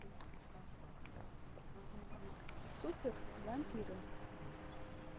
супер вампиры